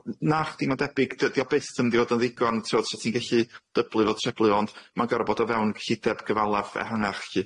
N- nach'di ma'n debyg, dydi o byth yn mynd i fod yn ddigon. T'w'od so ti'n gellu dyblu fo, treblu fo, ond ma'n gor'o' bod o fewn cyllideb gyfalaf ehangach felly.